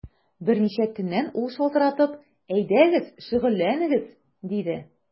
Берничә көннән ул шалтыратып: “Әйдәгез, шөгыльләнегез”, диде.